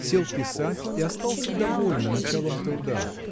сел писать и остался доволен началом труда.